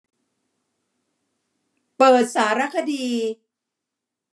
เปิดสารคดี